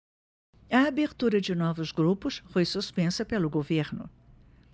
a abertura de novos grupos foi suspensa pelo governo